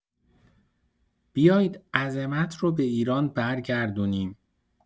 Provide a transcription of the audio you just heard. بیاید عظمت رو به ایران برگردونیم.